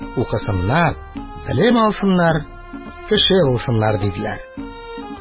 Укысыннар, белем алсыннар, кеше булсыннар, – диделәр.